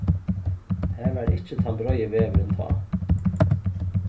har var ikki tann breiði vegurin tá